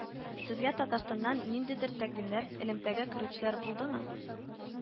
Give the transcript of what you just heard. Сезгә Татарстаннан ниндидер тәкъдимнәр, элемтәгә керүчеләр булдымы